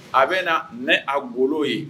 A bɛ na ni a golo ye